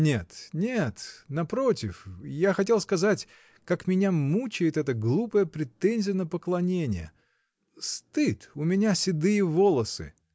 — Нет, нет, напротив, — я хотел сказать, как меня мучает эта глупая претензия на поклонение, — стыд: у меня седые волосы!